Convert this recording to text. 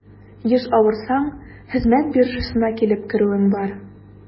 Еш авырсаң, хезмәт биржасына килеп керүең бар.